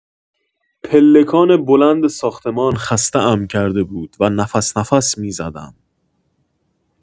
پلکان بلند ساختمان خسته‌ام کرده بود و نفس‌نفس می‌زدم.